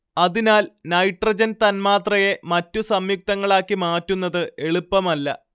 അതിനാൽ നൈട്രജൻ തന്മാത്രയെ മറ്റു സംയുക്തങ്ങളാക്കി മാറ്റുന്നത് എളുപ്പമല്ല